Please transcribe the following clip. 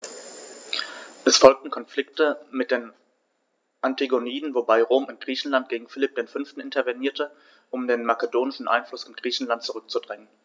Es folgten Konflikte mit den Antigoniden, wobei Rom in Griechenland gegen Philipp V. intervenierte, um den makedonischen Einfluss in Griechenland zurückzudrängen.